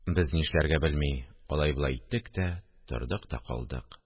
Без, ни эшләргә дә белми, алай-болай иттек тә тордык та калдык